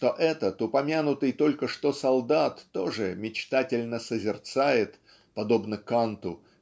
что этот упомянутый только что солдат тоже мечтательно созерцает подобно Канту